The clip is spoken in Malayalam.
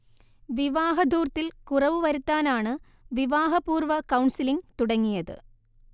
വിവാഹധൂർത്തിൽ കുറവ് വരുത്താനാണ് വിവാഹപൂർവ്വ കൗൺസിലിങ് തുടങ്ങിയത്